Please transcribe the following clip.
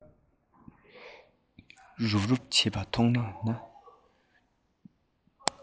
རུབ རུབ བྱེད པ མཐོང བ ན